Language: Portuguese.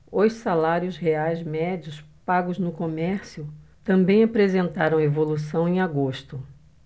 os salários reais médios pagos no comércio também apresentaram evolução em agosto